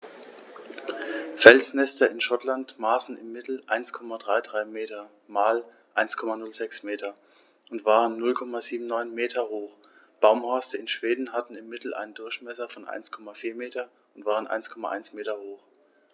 Felsnester in Schottland maßen im Mittel 1,33 m x 1,06 m und waren 0,79 m hoch, Baumhorste in Schweden hatten im Mittel einen Durchmesser von 1,4 m und waren 1,1 m hoch.